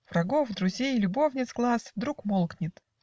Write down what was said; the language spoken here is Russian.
Врагов, друзей, любовниц глас Вдруг молкнет.